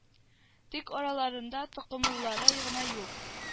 Тик араларында токымлылары гына юк